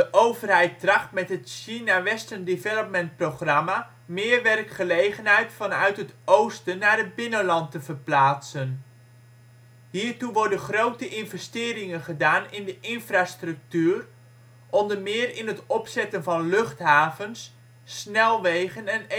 overheid tracht met het China Western Development-programma meer werkgelegenheid vanuit het oosten naar het binnenland te verplaatsen. Hiertoe worden grote investeringen gedaan in de infrastructuur, onder meer in het opzetten van luchthavens, snelwegen en elektriciteitscentrales